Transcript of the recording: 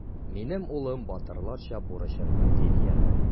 Минем улым батырларча бурычын үти диярмен.